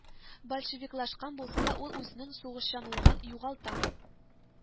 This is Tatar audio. Большевиклашкан булса да, ул үзенең сугышчанлыгын югалта